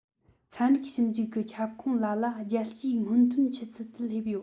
ཚན རིག ཞིབ འཇུག གི ཁྱབ ཁོངས ལ ལ རྒྱལ སྤྱིའི སྔོན ཐོན ཆུ ཚད དུ སླེབས ཡོད